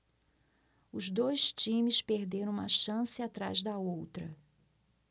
os dois times perderam uma chance atrás da outra